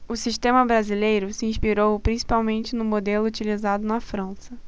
o sistema brasileiro se inspirou principalmente no modelo utilizado na frança